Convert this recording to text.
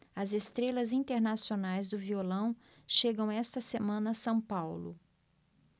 as estrelas internacionais do violão chegam esta semana a são paulo